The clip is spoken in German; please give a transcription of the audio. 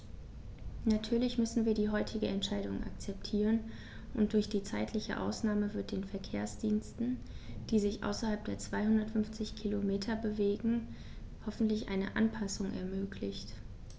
Natürlich müssen wir die heutige Entscheidung akzeptieren, und durch die zeitliche Ausnahme wird den Verkehrsdiensten, die sich außerhalb der 250 Kilometer bewegen, hoffentlich eine Anpassung ermöglicht.